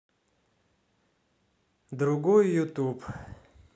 другой ютуб